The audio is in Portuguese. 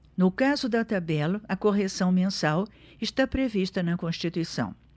no caso da tabela a correção mensal está prevista na constituição